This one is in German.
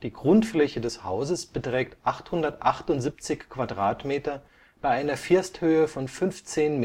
Grundfläche des Hauses beträgt 878 m² bei einer Firsthöhe von 15,8